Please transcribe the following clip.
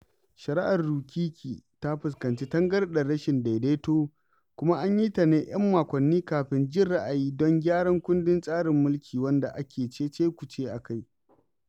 Shari'ar Rukiki ta fuskanci tangarɗar rashin daidaito kuma an yi ta ne 'yan makwanni kafin jin ra'ayi don gyaran kundin tsarin mulki wanda ake cece-kuce a kai.